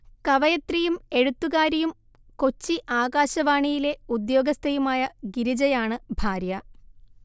കവയിത്രിയും എഴുത്തുകാരിയും കൊച്ചി ആകാശവാണിയിലെ ഉദ്യോഗസ്ഥയുമായ ഗിരിജയാണ് ഭാര്യ